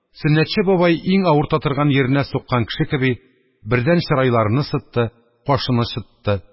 Сөннәтче бабай, иң авырта торган йиренә суккан кеше кеби, бердән чырайларыны сытты, кашыны чытты